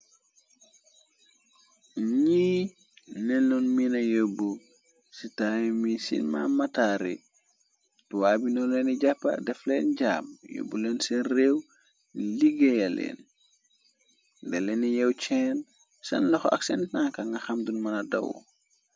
Nii nennoon mina yobb ci taayu mi ci màmataari tubaa bi nooloni jàpp defaleen jaam, yóbbu leen seen réew ni liggéeyaleen. Deleni yew cheen sen loxo ak sen tanka nga xam dun mëna dawo.